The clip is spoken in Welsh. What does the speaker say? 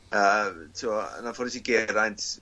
yy t'wo' yn anffodus i Geraint